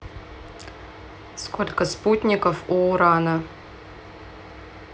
сколько спутников у урана